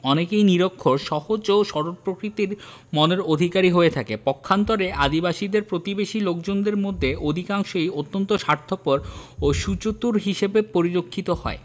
অনেকেই নিরক্ষর সহজ ও সরল প্রকৃতির মনের অধিকারী হয়ে থাকে পক্ষান্তরে আদিবাসীদের প্রতিবেশী লোকজনদের মধ্যে অধিকাংশই অত্যন্ত স্বার্থপর ও সুচতুর হিসেবে পরিলক্ষিত হয়